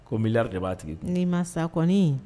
Ko n b'i la de bbaaa tigi ni'i ma sa kɔni